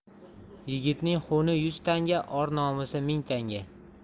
yigitning xuni yuz tanga or nomusi ming tanga